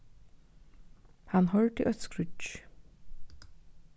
hann hoyrdi eitt skríggj